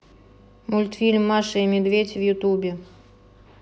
мультфильм маша и медведь в ютубе